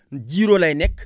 jiiróo lay nekk